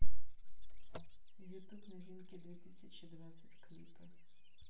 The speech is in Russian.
ютуб новинки две тысячи двадцать клипы